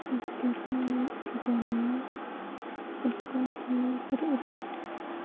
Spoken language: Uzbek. misgarning ming urgani bosqonchining bir urgani